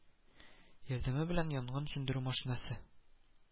Ярдәме белән янгын сүндерү машинасы